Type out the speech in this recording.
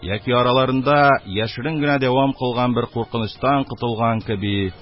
Яки араларында яшерен генә дәвам кылган бер куркынычтан котылган кеби